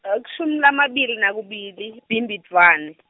-gemashumi lamabili nakubili, Bhimbidvwane.